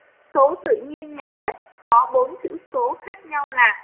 số tự nhiên nhỏ nhất có bốn chữ số khác nhau là